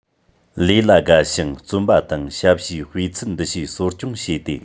ལས ལ དགའ ཞིང བརྩོན པ དང ཞབས ཞུའི སྤུས ཚད འདུ ཤེས གསོ སྐྱོང བྱས ཏེ